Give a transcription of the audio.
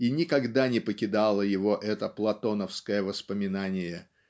И никогда не покидало его это платоновское воспоминание